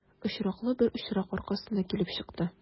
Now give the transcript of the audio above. Очраклы бер очрак аркасында килеп чыкты.